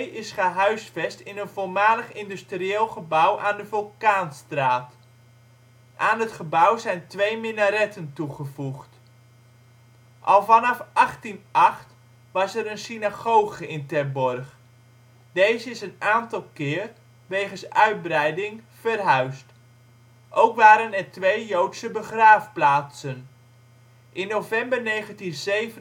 is gehuisvest in een voormalig industrieel gebouw in de Vulkaanstraat. Aan het gebouw zijn twee minaretten toegevoegd. Al vanaf 1808 was er een synagoge in Terborg. Deze is een aantal keer, wegens uitbreiding, verhuisd. Ook waren er twee joodse begraafplaatsen. In november 1987